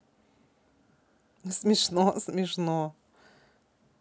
смешно смешно